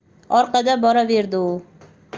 orqada boraverdi u